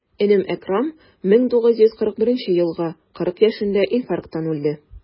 Энем Әкрам, 1941 елгы, 40 яшендә инфаркттан үлде.